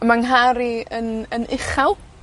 A ma' nghar i yn, yn uchal.